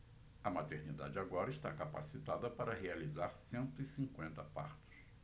a maternidade agora está capacitada para realizar cento e cinquenta partos